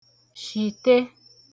shìte